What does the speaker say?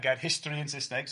A gair history yn Saesneg. Ia.